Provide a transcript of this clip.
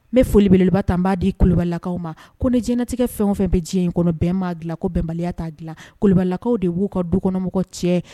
Bɛ folibeleba tan n b'a di kolobalakaw ma ko ni jinatigɛ fɛn o fɛn bɛ diɲɛ in kɔnɔ bɛn' dilan ko bɛnbaliya t' dilan kolobalilakaw de b'u ka dukɔnɔmɔgɔw cɛ